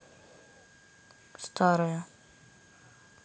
старая